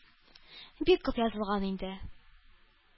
Бик күп язылган инде.